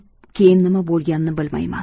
keyin nima bo'lganini bilmayman